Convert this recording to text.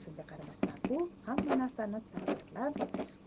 shunga qaramasdan u hamma narsani ta'birlab